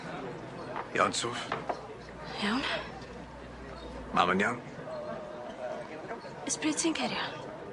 Iawn Soff? Iawn. Mam yn iawn? Ers pryd ti'n cêrio?